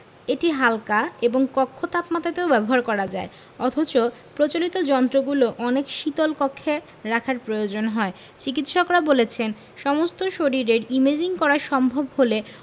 এটি হাল্কা এবং কক্ষ তাপমাত্রাতেও ব্যবহার করা যায় অথচ প্রচলিত যন্ত্রগুলো অনেক শীতল কক্ষে রাখার প্রয়োজন হয় চিকিত্সকরা বলছেন সমস্ত শরীরের ইমেজিং করা সম্ভব হলে